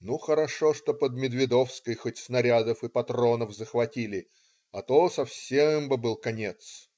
Ну, хорошо, что под Медведовской хоть снарядов и патронов захватили, а то совсем бы был конец".